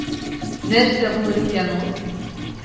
Нәрсә булыр икән ул?